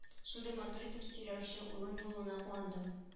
Шундый матур итеп сөйләүче улым булуына куандым